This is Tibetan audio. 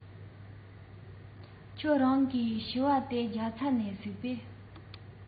ཁྱེད རང གི ཕྱུ པ དེ རྒྱ ཚ ནས གཟིགས པས